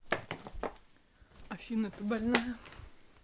афина ты больная